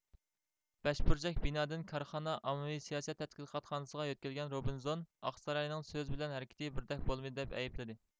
بەشبۇرجەك بىنادىن كارخانا ئاممىۋى سىياسەت تەتقىقاتخانىسىغا يۆتكەلگەن روبنزون ئاقساراينىڭ سۆز بىلەن ھەرىكىتى بىردەك بولمىدى دەپ ئەيىبلىدى